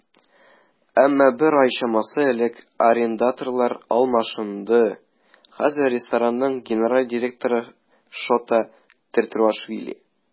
Әмма бер ай чамасы элек арендаторлар алмашынды, хәзер ресторанның генераль директоры Шота Тетруашвили.